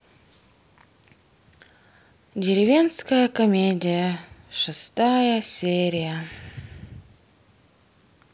деревенская комедия шестая серия